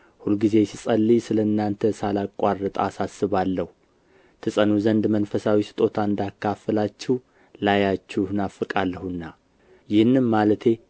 ሁልጊዜ ስጸልይ ስለ እናንተ ሳላቋርጥ አሳስባለሁ ትጸኑ ዘንድ መንፈሳዊ ስጦታ እንዳካፍላችሁ ላያችሁ እናፍቃለሁና ይህንም ማለቴ